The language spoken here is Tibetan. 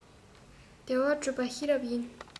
བདེ བ བསྒྲུབ པ ཤེས རབ ཡིན